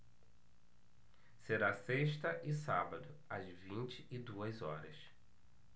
será sexta e sábado às vinte e duas horas